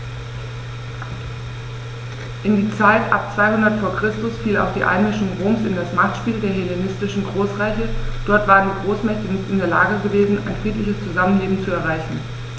In die Zeit ab 200 v. Chr. fiel auch die Einmischung Roms in das Machtspiel der hellenistischen Großreiche: Dort waren die Großmächte nicht in der Lage gewesen, ein friedliches Zusammenleben zu erreichen.